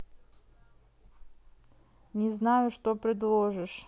не знаю что предложишь